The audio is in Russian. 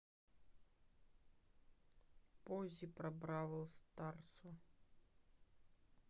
поззи по бравл старсу